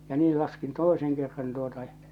ja niin laskin toisen kerran tuota ja